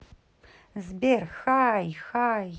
сбер хай хай